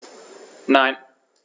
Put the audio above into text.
Nein.